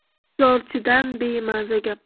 bekorchidan bemaza gap